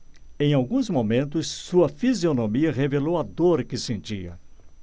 em alguns momentos sua fisionomia revelou a dor que sentia